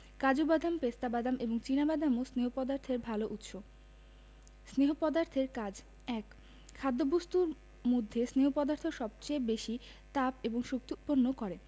কাজু বাদাম পেস্তা বাদাম এবং চিনা বাদামও স্নেহ পদার্থের ভালো উৎস স্নেহ পদার্থের কাজ ১. খাদ্যবস্তুর মধ্যে স্নেহ পদার্থ সবচেয়ে বেশী তাপ এবং শক্তি উৎপন্ন করে